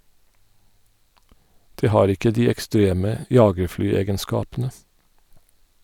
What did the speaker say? Det har ikke de ekstreme jagerflyegenskapene.